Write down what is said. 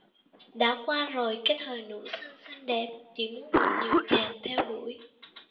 đã qua rồi cái thời nữ sinh xinh đẹp chỉ muốn được nhiều chàng theo đuổi